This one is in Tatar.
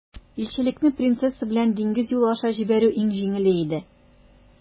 Илчелекне принцесса белән диңгез юлы аша җибәрү иң җиңеле иде.